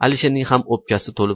alisherning ham o'pkasi to'lib